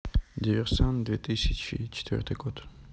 диверсант две тысячи четвертый год